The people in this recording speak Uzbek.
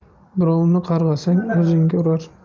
birovni qarg'asang o'zingga urar